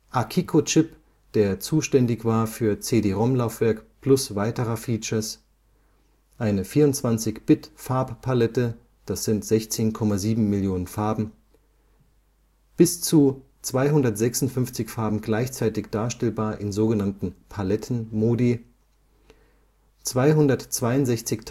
Akiko-Chip, der zuständig war für CD-ROM-Laufwerk plus weiterer Features (s. o.) 24-Bit-Farbpalette (16,7 Million Farben) bis zu 256 Farben gleichzeitig in Paletten-Modi 262.144